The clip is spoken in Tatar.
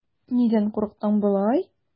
Нидән курыктың болай?